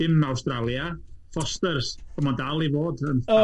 Dim Awstralia, Fosters, o mae'n dal i fod yn afiach.